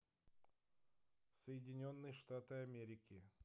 соединенные штаты америки